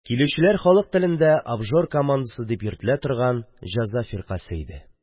Килүчеләр халык телендә «обжор командасы» дип йөртелә торган җаза фиркасы иде